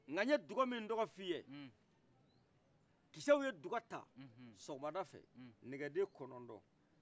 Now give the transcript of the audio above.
nka n ye duga min tɔgɔ fɔ i ye kisɛw duga ta sɔgɔmada fɛ nɛgɛden kɔnɔntɔn